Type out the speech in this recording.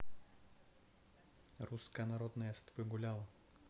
русская народная я с тобой гуляла